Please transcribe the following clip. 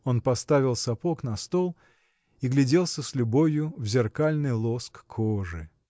– Он поставил сапог на стол и гляделся с любовью в зеркальный лоск кожи.